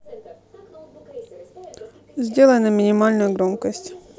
сделай на минимальную громкость